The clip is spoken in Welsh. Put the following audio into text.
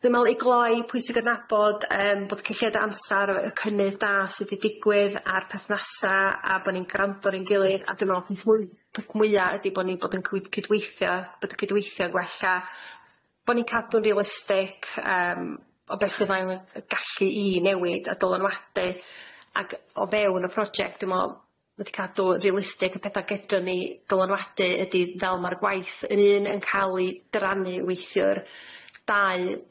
Dwi me'wl i gloi pwysig adnabod yym bod cyn lleiad amsar y- y cynnydd da sydd di digwydd a'r perthnasa a bo' ni'n grando'n ein gilydd a dwi me'wl peth mw- peth mwya ydi bo' ni'n bod yn cyd- cydweithio bod y cydweithio'n gwella bo' ni'n cadw'n realistig yym o be' sydd ang- y gallu i newid a dylanwadu ag o fewn y project dwi me'wl ma' di cadw realistig y petha gydron ni dylanwadu ydi fel ma'r gwaith yn un yn ca'l i dyrannu weithiwr dau.